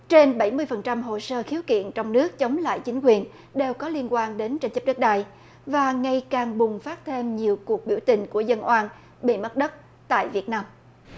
trên bảy mươi phần trăm hồ sơ khiếu kiện trong nước chống lại chính quyền đều có liên quan đến tranh chấp đất đai và ngày càng bùng phát thêm nhiều cuộc biểu tình của dân oan bị mất đất tại việt nam